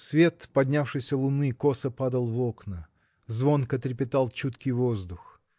свет поднявшейся луны косо падал в окна звонко трепетал чуткий воздух